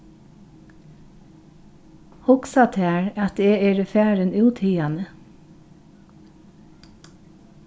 hugsa tær at eg eri farin út hiðani